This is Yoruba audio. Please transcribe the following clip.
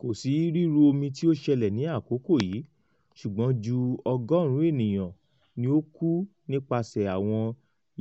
Ko si riru omi ti o ṣẹlẹ ni akoko yii, ṣugbọn ju 100 eniyan ni o ku nipasẹ awọn